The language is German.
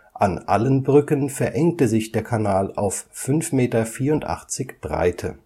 An allen Brücken verengte sich der Kanal auf 5,84 m Breite